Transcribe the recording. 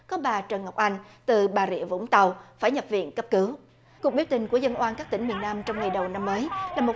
có bà trần ngọc anh từ bà rịa vũng tàu phải nhập viện cấp cứu cuộc biểu tình của dân oan các tỉnh miền nam trong ngày đầu năm mới là một